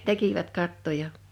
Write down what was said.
tekivät kattoja